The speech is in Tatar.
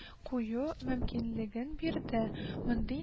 Кую мөмкинлеген бирде